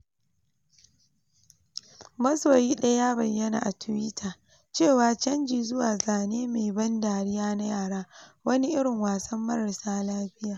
Masoyi daya ya bayyana a Twitter cewa canji zuwa zane mai ban dariya na yara kamar “wani irin wasan mararsa lafiya.’